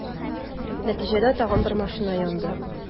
Нәтиҗәдә, тагын бер машина янды.